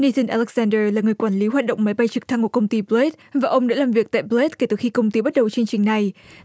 ni rên a lếch xan đơ là người quản lý hoạt động máy bay trực thăng của công ty pờ lết và ông làm việc tại pờ lết kể từ khi công ty bắt đầu chương trình này